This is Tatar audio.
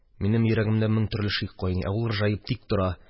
Минем йөрәгемдә мең төрле шик кайный, ә ул ыржаеп тик тора.